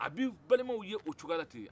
a bɛ balimaw y'o cogoya la ten